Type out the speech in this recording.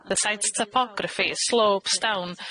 The site's typography slopes down